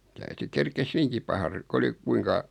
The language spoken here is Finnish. täytyi kerkisi hyvinkin paha - kun oli kuinka